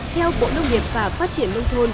theo bộ nông nghiệp và phát triển nông thôn